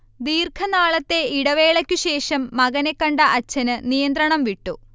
ദീർഘനാളത്തെ ഇടവേളയ്ക്കു ശേഷം മകനെ കണ്ട അച്ഛന് നിയന്ത്രണംവിട്ടു